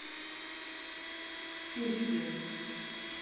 письки